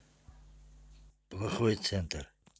плохой центр